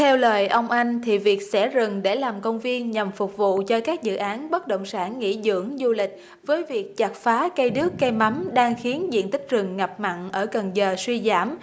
theo lời ông anh thì việc xẻ rừng để làm công viên nhằm phục vụ cho các dự án bất động sản nghỉ dưỡng du lịch với việc chặt phá cây đước cây mắm đang khiến diện tích rừng ngập mặn ở cần giờ suy giảm